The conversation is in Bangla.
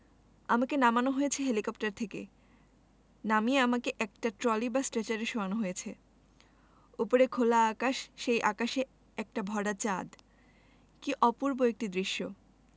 আমাকে নামানো হয়েছে হেলিকপ্টার থেকে নামিয়ে আমাকে একটা ট্রলি বা স্ট্রেচারে শোয়ানো হয়েছে ওপরে খোলা আকাশ সেই আকাশে একটা ভরা চাঁদ কী অপূর্ব একটি দৃশ্য